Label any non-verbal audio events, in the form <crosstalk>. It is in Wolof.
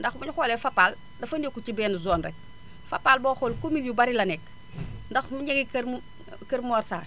ndax buñu xoolee Fapal dafa nekkul ci benn zone rek Fapal booy xool <noise> commune yu bari la nekk <noise> ndax mu kër <hesitation> kër Mor Sarr